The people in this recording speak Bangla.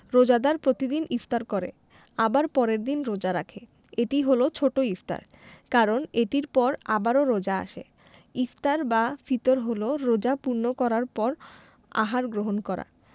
রোজাদার প্রতিদিন ইফতার করে আবার পরের দিন রোজা রাখে এটি হলো ছোট ইফতার কারণ এটির পর আবারও রোজা আসে ইফতার বা ফিতর হলো রোজা পূর্ণ করার পর আহার গ্রহণ করা